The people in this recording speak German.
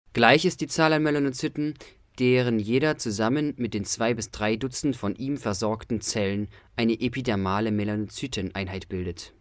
Gleich ist die Zahl an Melanozyten, deren jeder zusammen mit den zwei bis drei Dutzend von ihm versorgten Zellen eine epidermale Melanozyten-Einheit bildet